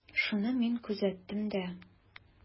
Шуны мин күзәттем дә.